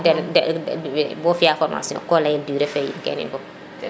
bo fiya formation ko leyel durer fe yin kene fop